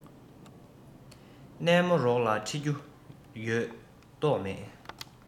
གནས མོ རོགས ལ ཁྲིད རྒྱུ ཡོད མདོག མེད